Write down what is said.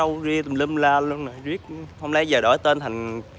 râu ria tùm lum la luôn nè riết hông lẽ giờ đổi tên thành